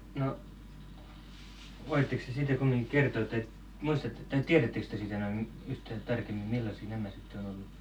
no voittekos te siitä kumminkin kertoa tai - tai tiedättekös te siitä noin - yhtään tarkemmin millaisia nämä sitten on ollut